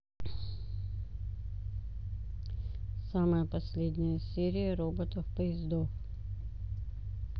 самая последняя серия роботов поездов